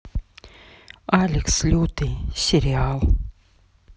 алекс лютый сериал